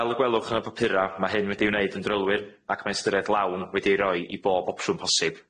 Fel y gwelwch o'r papura ma' hyn wedi'i wneud yn drylwyr ac ma' ystyriaeth lawn wedi'i roi i bob opsiwn posib.